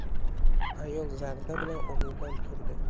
ayol zarda bilan o'rnidan turdi